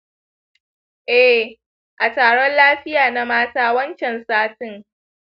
eh, a taron lafiya na mata wancan satin.